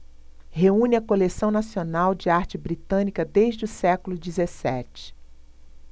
reúne a coleção nacional de arte britânica desde o século dezessete